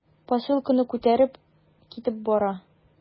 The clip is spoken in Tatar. Посылканы күтәреп китеп бара.